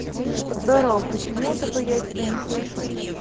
здорово почему то бы я тебя не слышу